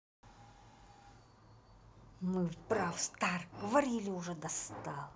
мы в brawl stars говорили уже достал